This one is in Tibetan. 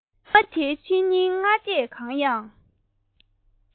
ཉི མ དེའི ཕྱི ཉིན སྔ ལྟས གང ཡང